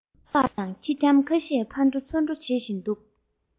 ཕག དང ཁྱི འཁྱམ ཁ ཤས ཕར འགྲོ ཚུར འོང བྱེད བཞིན འདུག